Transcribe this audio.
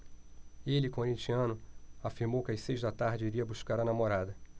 ele corintiano afirmou que às seis da tarde iria buscar a namorada